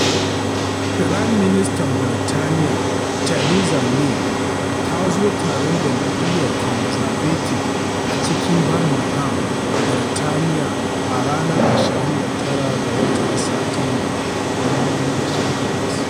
Firaministan Birtaniyya Theresa May ta zo Taron Jam’iyyar Conservative a cikin Birmingham, Birtaniyya, a ranar 29 ga Satumba, 2018.